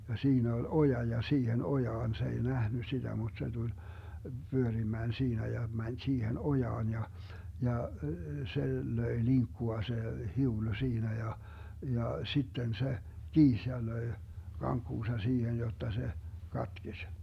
ja siinä oli oja ja siihen ojaan se ei nähnyt sitä mutta se tuli pyörimään siinä ja meni siihen ojaan ja ja se löi linkkua se hiulu siinä ja ja sitten se kiisi ja löi kankkunsa siihen jotta se katkesi